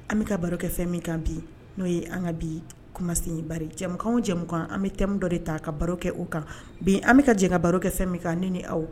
An bɛ ka baro kɛ fɛn min kan bi n'o ye an ka bi kumasibakan cɛmukan an bɛ tɛmɛ dɔ de ta ka baro kɛ' kan bin an bɛ ka jan ka baro kɛ fɛn min kan ne ni aw